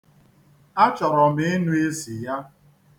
Achọrọ m ịnụ isi ya.